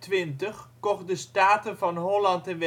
In 1725 kocht de Staten van Holland en